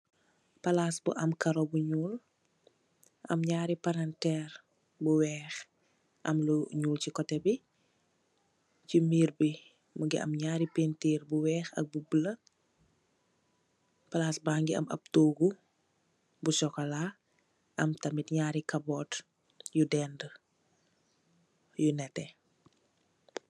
Palass bi am karo bu nuul am naari palanterr yu weex am lu nuul si kote bi si merr bi mongi am naari painturr bu weex ak bu bulu palas bagi am ab togu bu cxocola am tamit naari cupboard yu denda yu netex.